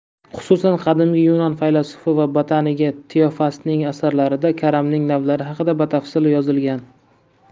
xususan qadimgi yunon faylasufi va botanigi teofastning asarlarida karamning navlari haqida batafsil yozilgan